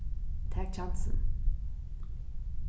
tak kjansin